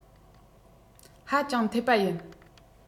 ཧ ཅང འཐད པ ཡིན